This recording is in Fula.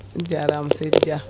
jarama seydi Dia